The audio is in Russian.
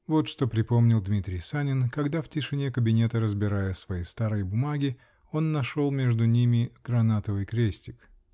Вот что припомнил Дмитрий Санин, когда в тишине кабинета, разбирая свои старые бумаги, он нашел между ними гранатовый крестик.